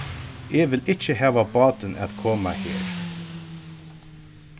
eg vil ikki hava bátin at koma her